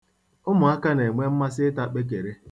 Ụmụaka na-enwe mmasị ịta kpekere.